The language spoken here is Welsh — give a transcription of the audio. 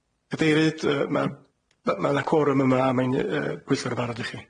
Cadeirydd yym ma- ma- ma' 'na cworym yma mae'n yym pwyllgor yn barod i chi.